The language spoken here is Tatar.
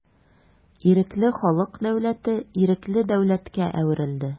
Ирекле халык дәүләте ирекле дәүләткә әверелде.